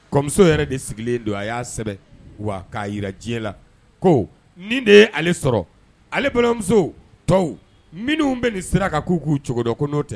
Kɔmuso yɛrɛ de sigilen don a y'a sɛbɛ wa k'a jira diɲɛ la ko nin de ye ale sɔrɔ ale balimamuso tɔw minnu bɛ nin siran k'u k'u cogoda kɔnɔo tɛ